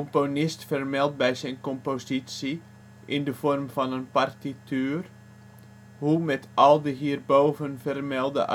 componist vermeldt bij zijn compositie in de vorm van een partituur hoe met al de hierboven vermelde